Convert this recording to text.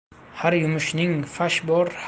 har yumushning fash bor